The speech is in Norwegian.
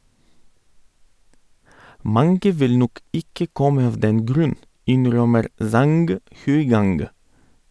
Mange vil nok ikke komme av den grunn, innrømmer Zhang Huigang.